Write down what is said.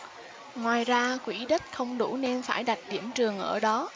ngoài ra quỹ đất không đủ nên phải đặt điểm trường ở đó